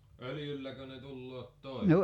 öljylläkö ne tulevat toimeen